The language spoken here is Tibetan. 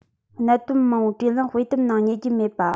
གནད དོན མང པོའི དྲིས ལན དཔེ དེབ ནང རྙེད རྒྱུ མེད པ